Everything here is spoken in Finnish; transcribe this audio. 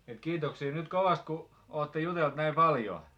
että kiitoksia nyt kovasti kun olette jutellut näin paljon